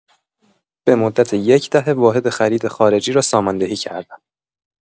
به مدت یک دهه واحد خرید خارجی را ساماندهی کردم.